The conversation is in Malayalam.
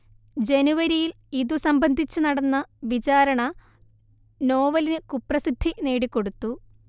ജനുവരിയിൽ ഇതുസംബന്ധിച്ചു നടന്ന വിചാരണ നോവലിന് കുപ്രസിദ്ധി നേടിക്കൊടുത്തു